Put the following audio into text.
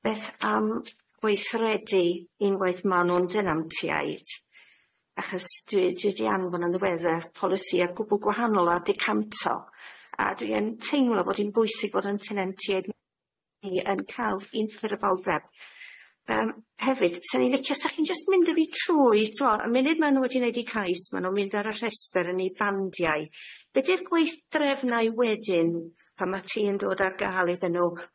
Beth am gweithredu unwaith ma' nw'n dynantiaid achos dwi dwi di anfon yn ddiwedde polisia gwbwl gwahanol ar decanto a dwi yn teimlo fod i'n bwysig fod yn tenantiaid ni yn ca'l un ffurfoldeb yym hefyd swn i'n licio sach chi'n jyst mynd a fi trwy t'wo' y munud ma' nw wedi neud eu cais ma' nw'n mynd ar y rhestr yn eu bandiau, be' di'r gweithdrefnau wedyn pan ma' ty yn dod ar gal iddyn nhw?